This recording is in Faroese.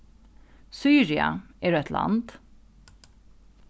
sýria er eitt land